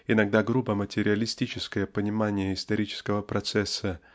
иногда грубо материалистическое понимание исторического процесса